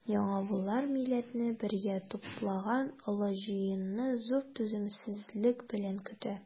Яңавыллар милләтне бергә туплаган олы җыенны зур түземсезлек белән көтә.